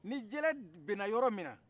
ni jele binna yɔrɔ min na